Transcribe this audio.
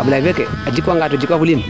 ablaye feke a jek wanga to jik wa fuliim